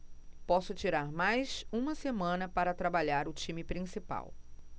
posso tirar mais uma semana para trabalhar o time principal